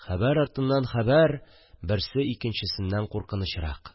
Хәбәр артыннан хәбәр – берсе икенчесеннән куркынычрак